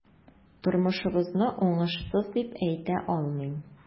Тормышыбызны уңышсыз дип әйтә алмыйм.